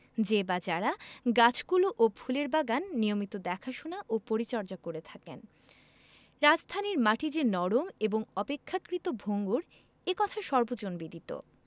যে বা যারা গাছগুলো ও ফুলের বাগান নিয়মিত দেখাশোনা ও পরিচর্যা করে থাকেন রাজধানীর মাটি যে নরম এবং অপেক্ষাকৃত ভঙ্গুর এ কথা সর্বজনবিদিত